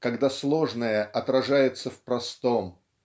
когда сложное отражается в простом.